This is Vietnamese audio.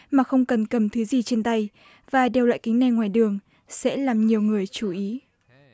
mà không cần cầm thứ gì trên tay và đeo loại kính này ngoài đường sẽ làm nhiều người chú ý